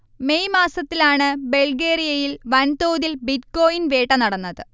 May മാസത്തിലാണ് ബൾഗേറിയയിൽ വൻതോതിൽ ബിറ്റ്കോയിൻ വേട്ട നടന്നത്